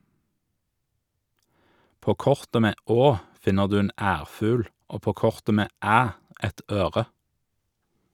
På kortet med Å, finner du en ærfugl, og på kortet med Æ et øre.